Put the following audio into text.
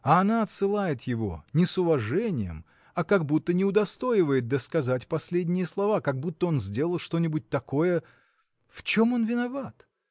А она отсылает его — не с уважением, а как будто не удостоивает досказать последние слова, как будто он сделал что-нибудь такое. В чем он виноват?